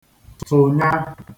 tụ̀nya